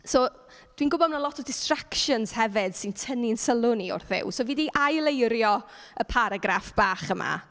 So, dwi'n gwybod ma' lot o distractions hefyd sy'n tynnu'n sylw ni wrth Dduw. So, fi di ail-eirio y paragraff bach yma.